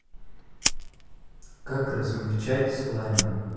как размягчать слаймы